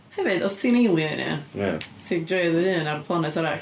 Hefyd, os ti'n alien, ia... Ia. ...ti'n joio dy hun ar planet arall.